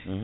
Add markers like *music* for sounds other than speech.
*hesitation* *hesitation*